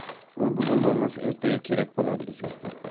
u bugun bo'lmasa ertaga kerak bo'ladi bizga